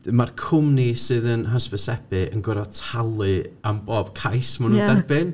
Mae'r cwmni sydd yn hysbysebu yn gorfod talu am bob cais maen nhw'n dderbyn.